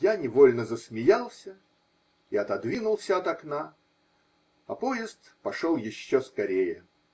Я невольно засмеялся и отодвинулся от окна, а поезд пошел еще скорее.